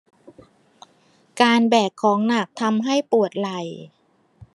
การแบกของหนักทำให้ปวดไหล่